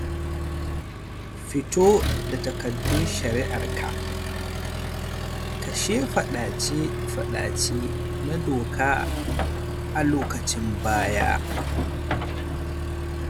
Fito da takaddun shari’ar ka: Kashe fadace-fadace na doka a lokacin baya.